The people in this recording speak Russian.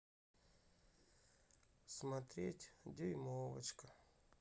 смотреть дюймовочка